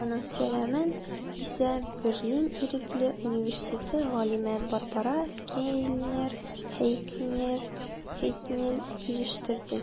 Аның сәламен исә Берлин Ирекле университеты галиме Барбара Кельнер-Хейнкель ирештерде.